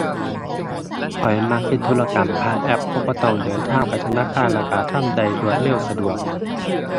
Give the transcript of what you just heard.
ข้อยมักเฮ็ดธุรกรรมผ่านแอป เพราะบ่ต้องเดินทางไปธนาคาร แล้วก็ทำได้รวดเร็ว สะดวก